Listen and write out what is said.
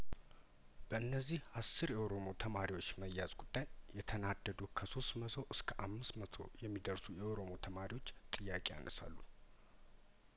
በእነዚህ አስር የኦሮሞ ተማሪዎች መያዝ ጉዳይየተናደዱ ከሶስት መቶ እስከአምስት መቶ የሚደርሱ የኦሮሞ ተማሪዎች ጥያቄ ያነሳሉ